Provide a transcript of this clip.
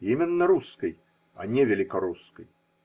Именно русской, а не великорусской.